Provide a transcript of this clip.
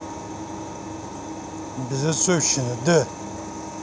безотцовщина да